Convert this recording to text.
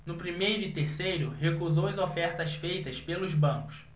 no primeiro e terceiro recusou as ofertas feitas pelos bancos